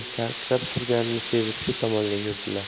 sakrab turganini sezib shu tomonga yurdilar